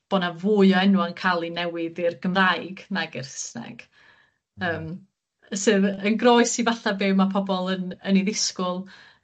bo' 'na fwy o enwa'n ca'l 'u newid i'r Gymraeg nag i'r Sysneg yym sydd yn groes i falle be' ma' pobol yn yn ei ddisgwl